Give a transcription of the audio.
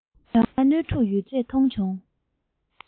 དོན ལྔ སྣོད དྲུག ཡོད ཚད མཐོང བྱུང